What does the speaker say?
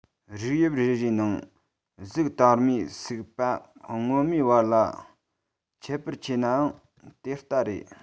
རིགས དབྱིབས རེ རེའི ནང གཟུགས དར མའི སུག པ སྔོན མའི བར ལ ཁྱད པར ཆེ ནའང དེ ལྟ རེད